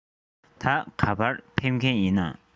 ད ག པར ཕེབས མཁན ཡིན ན